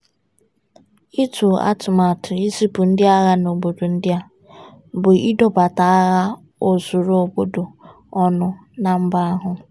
Ịtu atụmatụ izipu ndị agha n'ọnọdụ ndị a, bụ ịdọbata agha ozuru obodo ọnụ na mba ahụ.